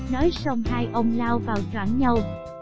xong ông lao vào choảng nhau